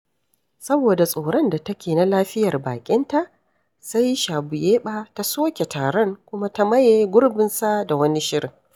Saboda tsoron da take na lafiyar baƙinta, sai Shabuyeɓa ta soke taron kuma ta maye gurbinsa da wani shirin.